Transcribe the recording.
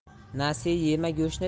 nasiya yema go'shtni